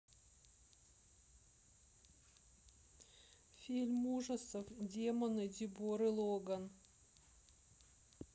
фильм ужасов демоны деборы логан